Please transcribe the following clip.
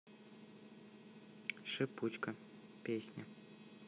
шипучка песня